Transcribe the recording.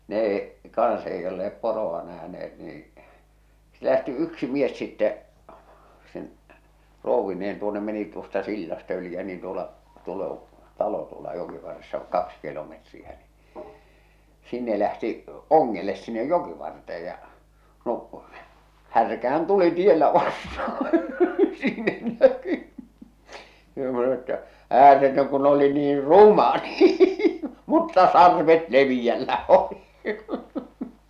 ne kanssa ei olleet poroa nähneet niin se lähti yksi mies sitten sen rouvineen tuonne meni tuosta sillasta yli ja niin tuolla tuolla on talo tuolla jokivarressa kaksi kilometriä niin sinne lähti ongelle sinne jokivarteen ja no härkähän tuli tiellä vastaan sinne näkyi joo sanoi että ääretön kun oli niin ruma niin mutta sarvet leveällä oli